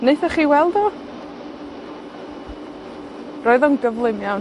Naethoch chi weld o? Roedd o'n gyflym iawn.